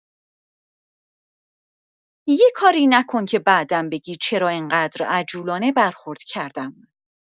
یه کاری نکن که بعدا بگی چرا انقدر عجولانه برخورد کردم.